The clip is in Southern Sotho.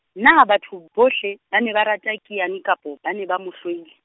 na batho bohle, ba ne ba rata Kiana, kapa, ba ne ba mo hloile.